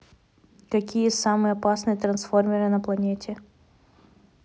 какие самые опасные трансформеры на планете